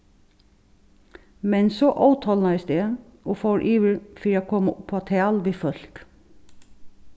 men so ótolnaðist eg og fór yvir fyri at koma upp á tal við fólk